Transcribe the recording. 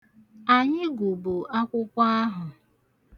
Anyị gụbu akwụkwọ ahụ.